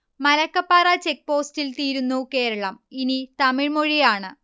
മലക്കപ്പാറ ചെക്പോസ്റ്റിൽ തീരുന്നു കേരളം ഇനി തമിഴ്മൊഴിയാണ്